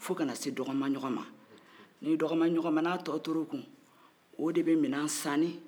fo kana se dɔgɔnima ɲɔgɔ ma i dɔgɔmaɲɔgɔ ma n'a tɔ tora o kun o de bɛ mina saani